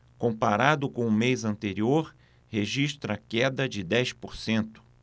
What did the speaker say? comparado com o mês anterior registra queda de dez por cento